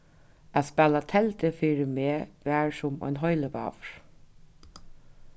at spæla teldu fyri meg var sum ein heilivágur